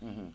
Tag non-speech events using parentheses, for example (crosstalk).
(hesitation) (hesitation)